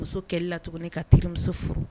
Muso kɛlɛ la tuguni ka terimuso furu